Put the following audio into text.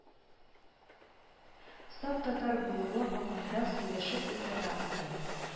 Саф татар булуы хакында сөйләшеп утыра икән